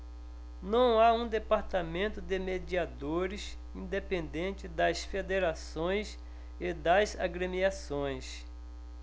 não há um departamento de mediadores independente das federações e das agremiações